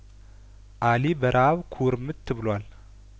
አሊ በረሀብ ኩርምት ብሏል